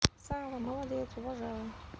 красава молодец уважаю